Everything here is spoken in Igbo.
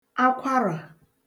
akwarà